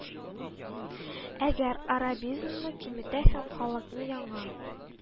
Әгәр арабизмны киметә һәм халыкны яңа